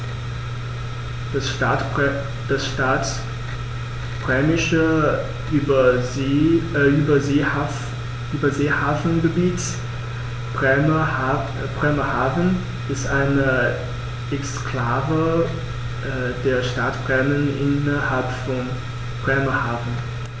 Das Stadtbremische Überseehafengebiet Bremerhaven ist eine Exklave der Stadt Bremen innerhalb von Bremerhaven.